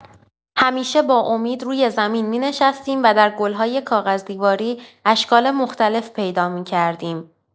همیشه با امید روی زمین می‌نشستیم و در گل‌های کاغذدیواری اشکال مختلف پیدا می‌کردیم.